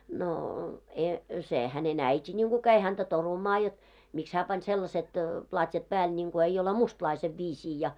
no - se hänen äiti niin kuin kävi häntä torumaan jotta miksi hän pani sellaiset platjat päälle niin kuin ei ole mustalaisen viisiin ja